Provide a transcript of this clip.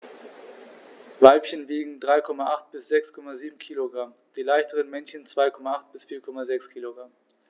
Weibchen wiegen 3,8 bis 6,7 kg, die leichteren Männchen 2,8 bis 4,6 kg.